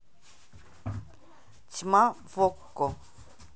тьма в окко